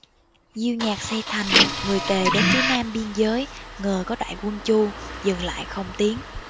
diêu nhạc xây thành người tề đến phía nam biên giới ngờ có đại quân chu dừng lại không tiến